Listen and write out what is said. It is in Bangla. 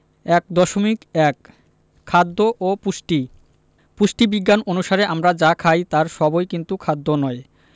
১.১ খাদ্য ও পুষ্টি পুষ্টিবিজ্ঞান অনুসারে আমরা যা খাই তার সবই কিন্তু খাদ্য নয়